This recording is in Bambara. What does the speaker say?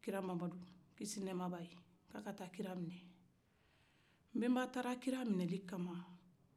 kira mahamadu kisi ni nɛma b'a ye nbenba taara kira minɛli kama